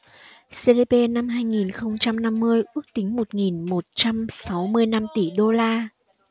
gdp năm hai nghìn không trăm năm mươi ước tính một nghìn một trăm sáu mươi lăm tỷ đô la